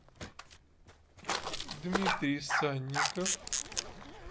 дмитрий санников